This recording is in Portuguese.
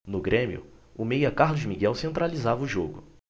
no grêmio o meia carlos miguel centralizava o jogo